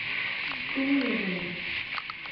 Күңеле булыр...